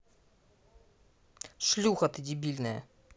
шлюха ты дебильная